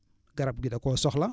garab gi da koo soxla